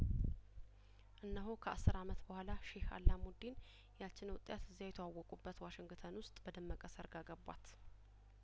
እነሆ ከአስር አመት በኋላ ሼህ አላሙዲን ያቺን ወጣት እዚያው የተዋወቁ በት ዋሽንግተን ውስጥ በደመቀ ሰርግ አገቧት